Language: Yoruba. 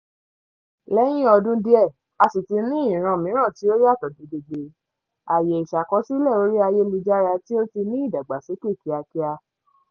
Lẹ́yìn ọdún díẹ̀, a sì ti ní ìran mìíràn tí ó yàtọ̀ gedegede – àyè ìṣàkọsílẹ̀ orí ayélujára tí ó ti ní ìdàgbàsókè kíákíá.